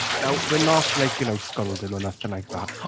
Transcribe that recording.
Now, we’re not like, you know, scolding or nothing like that.